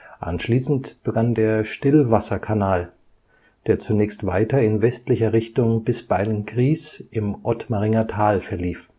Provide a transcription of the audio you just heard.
Anschließend begann der Stillwasserkanal, der zunächst weiter in westlicher Richtung bis Beilngries im Ottmaringer Tal verlief